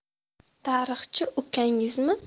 tarixchi ukangizmi